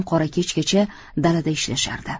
qora kechgacha dalada ishlashardi